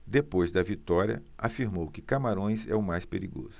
depois da vitória afirmou que camarões é o mais perigoso